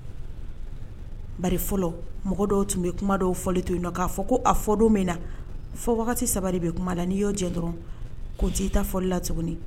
Ba fɔlɔ mɔgɔ dɔw tun bɛ kuma dɔw fɔ to k'a fɔ ko a fɔ don min na fo saba bɛ kuma la n nii y' dɔrɔn ko nci ta fɔli la tuguni